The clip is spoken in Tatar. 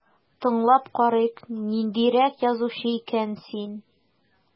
Тыңлап карыйк, ниндирәк язучы икән син...